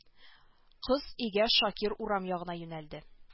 Кыз өйгә ә шакир урам ягына юнәлде